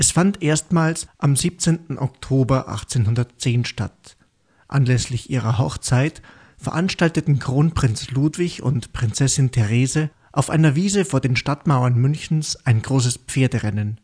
fand erstmals am 17. Oktober 1810 statt. Anlässlich ihrer Hochzeit veranstalteten Kronprinz Ludwig und Prinzessin Therese auf einer Wiese vor den Stadtmauern Münchens ein großes Pferderennen